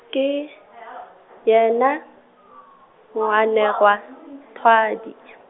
ke , yena , moanegwathwadi.